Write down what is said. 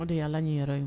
O de y' ala nin yɛrɛ ye